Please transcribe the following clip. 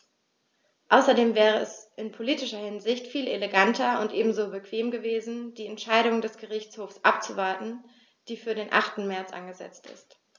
Außerdem wäre es in politischer Hinsicht viel eleganter und ebenso bequem gewesen, die Entscheidung des Gerichtshofs abzuwarten, die für den 8. März angesetzt ist.